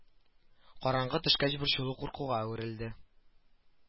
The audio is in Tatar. Караңгы төшкәч борчылу куркуга әверелде